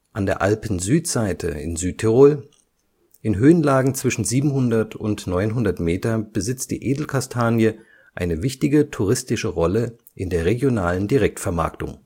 An der Alpensüdseite in Südtirol, in Höhenlagen zwischen 700 und 900 Meter besitzt die Edelkastanie eine wichtige touristische Rolle in der regionalen Direktvermarktung